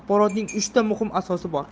axborotning uchta muhim asosi bor